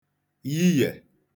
yiyè